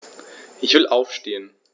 Ich will aufstehen.